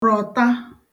rọ̀ta